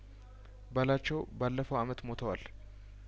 ባላቸው ባለፈው አመት ሞተዋል